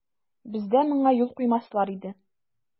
Бездә моңа юл куймаслар иде.